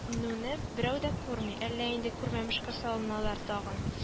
Нүне берәү дә күрми, әллә инде күрмәмешкә салыналар тагын